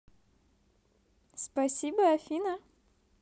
спасибо афина